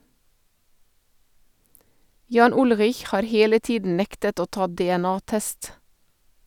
Jan Ullrich har hele tiden nektet å ta DNA-test.